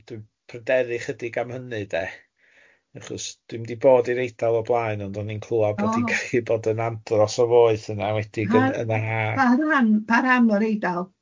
Dwi'n pryderu chydig am hynny de, achos dwi'm di bod i'r Eidal o blaen ond o'n i'n clywed... O. ...bod hi'n gallu bod yn andros o boeth yna, enwedig yn yn yr Ha. Pa rhan, pa rhan o'r Eidal?